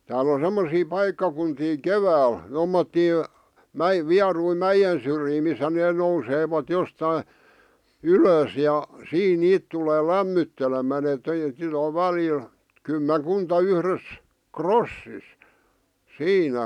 täällä on semmoisia paikkakuntia keväällä tuommoisia - vieruja mäen syrjiä missä ne nousevat jostakin ylös ja siinä niitä tulee lämmittelemään että - välillä kymmenkunta yhdessä rossissa siinä